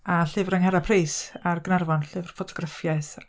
A llyfr Angharad Price ar Gaernarfon, llyfr ffotograffiaeth.